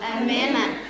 amiina